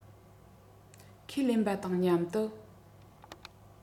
ཁོས ལེན པ དང མཉམ དུ